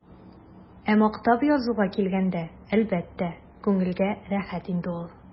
Ә мактап язуга килгәндә, әлбәттә, күңелгә рәхәт инде ул.